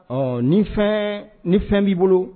Ɔ nin fɛn ne fɛn b'i bolo